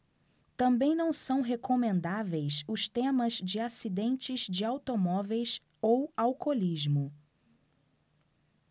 também não são recomendáveis os temas de acidentes de automóveis ou alcoolismo